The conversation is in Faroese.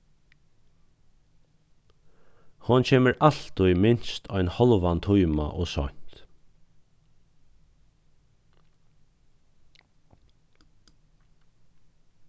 hon kemur altíð minst ein hálvan tíma ov seint